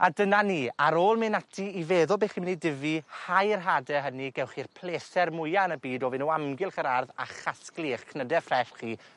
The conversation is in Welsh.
A dyna ni ar ôl myn' ati i feddwl be' chi myn' i difu hau yr hade hynny gewch chi'r pleser mwya yn y byd o fyn' o amgylch yr ardd a chasglu 'ych cnyde ffres chi